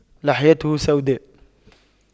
لحيته سوداء